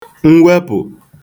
mwepụ̀